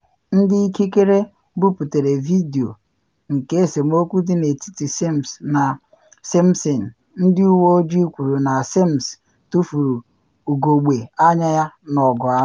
Ndị ikikere buputere vidio nke esemokwu dị n’etiti Sims na Simpson, ndị uwe ojii kwuru na Sims tufuru ugogbe anya ya n’ọgụ ahụ.